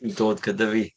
I dod gyda fi.